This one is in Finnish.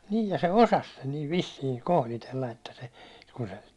niin ja se osasi sen niin vissiin kohditella että se kun se